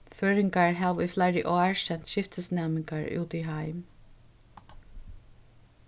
føroyingar hava í fleiri ár sent skiftisnæmingar út í heim